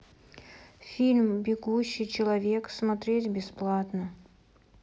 фильм бегущий человек смотреть бесплатно